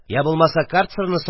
Я булмаса карцерны